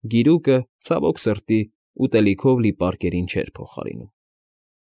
Գիրուկը, ցավոք սրտի, ուտելիքով լի պարկերին չէր փոխարինում։